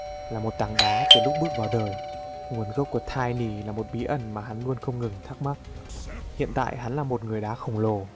là một tảng đá từ lúc bước vào đời nguồn gốc của tiny là một bí ẩn mà hắn luôn không ngừng thắc mắc hiện tại hắn là một người khổng lồ đá